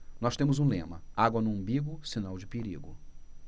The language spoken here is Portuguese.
nós temos um lema água no umbigo sinal de perigo